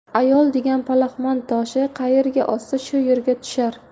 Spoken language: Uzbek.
ayol degan palaxmon toshi qayerga otsa shu yerga tushar